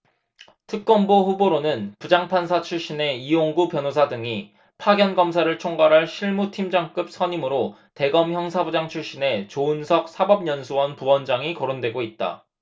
특검보 후보로는 부장판사 출신의 이용구 변호사 등이 파견검사를 총괄할 실무 팀장급 선임으로 대검 형사부장 출신의 조은석 사법연수원 부원장이 거론되고 있다